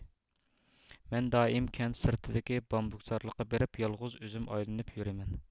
مەن دائىم كەنت سىرتىدىكى بامبۇكزارلىققا بېرىپ يالغۇز ئۆزۈم ئايلىنىپ يۈرىمەن